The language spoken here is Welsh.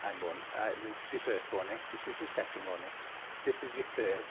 I'm warn- yy This is your first warning, this is your second warning, this is your third.